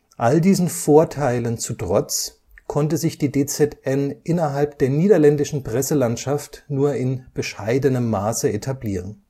All diesen Vorteilen zu trotz konnte sich die DZN innerhalb der niederländischen Presselandschaft nur in bescheidenem Maße etablieren